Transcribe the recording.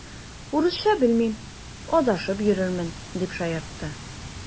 Урысча белмим, адашып йөрермен, дип шаяртты.